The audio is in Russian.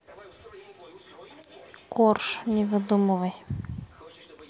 корж не выдумывай